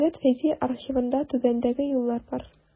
Җәүдәт Фәйзи архивында түбәндәге юллар бар.